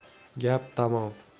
gap tamom